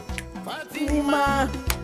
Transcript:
H